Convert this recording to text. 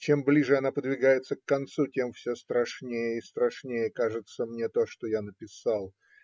Чем ближе она подвигается к концу, тем все страшнее и страшнее кажется мне то, что я написал.